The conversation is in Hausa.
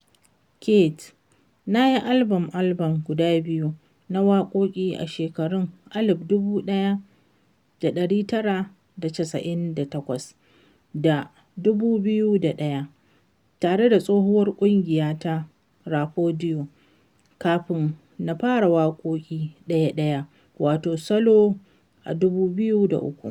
Keyti: Na yi album-album guda biyu na waƙoƙi (a shekarun 1998 da 2001) tare da tsohuwar ƙungiyata ta Rapadio kafin na fara waƙoƙin ɗaya-ɗaya, wato solo, a 2003.